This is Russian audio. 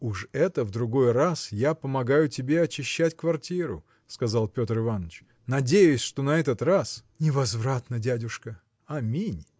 – Уж это в другой раз я помогаю тебе очищать квартиру – сказал Петр Иваныч – надеюсь что на этот раз. – Невозвратно, дядюшка. – Аминь!